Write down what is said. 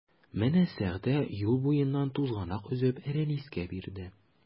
Менә Сәгъдә юл буеннан тузганак өзеп Рәнискә бирде.